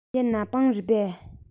འདི ནག པང རེད པས